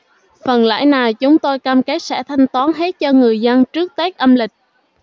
phần lãi này chúng tôi cam kết sẽ thanh toán hết cho người dân trước tết âm lịch